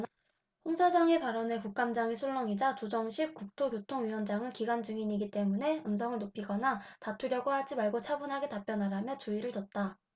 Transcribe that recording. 홍 사장의 발언에 국감장이 술렁이자 조정식 국토교토위원장은 기관 증인이기 때문에 언성을 높이거나 다투려고 하지 말고 차분하게 답변하라며 주의를 줬다